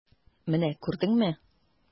Менә күрдеңме!